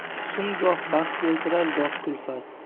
husn goh baxt keltirar goh kulfat